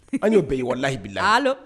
An y'o bɛɛyiwalahi bilalo